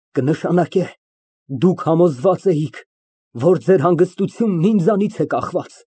Կնշանակե, դուք համոզված էիք, որ ձեր հանգստությունն ինձանից է կախված։